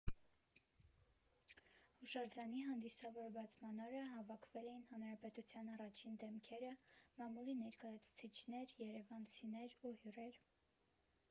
Հուշարձանի հանդիսավոր բացման օրը հավաքվել էին հանրապետության առաջին դեմքերը, մամուլի ներկայացուցիչներ, երևանցիներ ու հյուրեր։